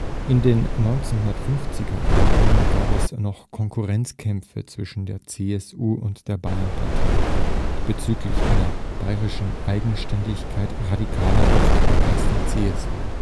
In den 1950er Jahren gab es noch Konkurrenzkämpfe zwischen der CSU und der Bayernpartei, die bezüglich einer bayerischen Eigenständigkeit radikaler auftrat als die CSU